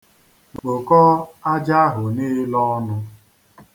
Kpokọọ aja ahụ niile onu.